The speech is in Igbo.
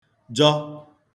jọ